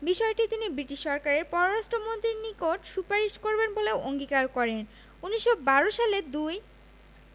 বিষয়টি তিনি ব্রিটিশ সরকারের পররাষ্ট্র মন্ত্রীর নিকট সুপারিশ করবেন বলেও অঙ্গীকার করেন ১৯১২ সালের ২